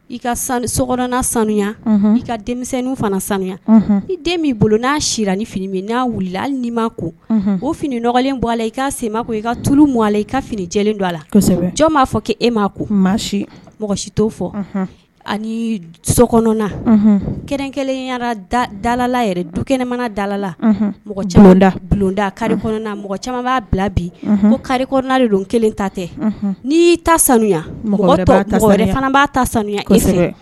I ka so sanu i ka denmisɛn fana sanu ni den'i bolo n'a si ni fini n'a wili hali nii ma ko o fini nɔgɔlen bɔ a la i ka sema ko i ka tulu m a la i ka finijɛ don a la jɔn m'a fɔ' e ma ko mɔgɔ si to fɔ ani so kɔnɔn kɛrɛn kelenyara da dalalala yɛrɛ dukɛnɛmana dalalala mɔgɔ camanda bulonda kari mɔgɔ caman b'a bila bi ko kari kɔnɔna de don kelen ta tɛ n'i y'i ta sanu wɛrɛ fana b' ta sanu e